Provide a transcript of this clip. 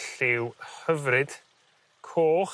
Lliw hyfryd coch,